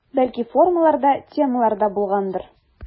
Бәлки формалар да, темалар да булгандыр.